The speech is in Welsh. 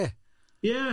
Ie.